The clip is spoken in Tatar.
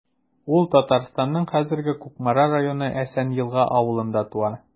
Ул Татарстанның хәзерге Кукмара районы Әсән Елга авылында туа.